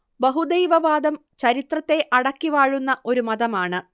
ബഹുദൈവ വാദം ചരിത്രത്തെ അടക്കി വാഴുന്ന ഒരു മതമാണ്